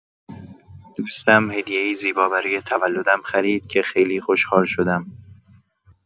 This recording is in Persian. دوستم هدیه‌ای زیبا برای تولدم خرید که خیلی خوشحال شدم.